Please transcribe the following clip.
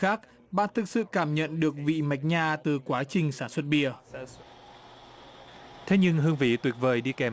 khác bạn thực sự cảm nhận được vị mạch nhà từ quá trình sản xuất bia thế nhưng hương vị tuyệt vời đi kèm